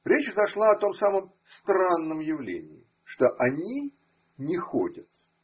Речь зашла о том самом странном явлении: что они не ходят.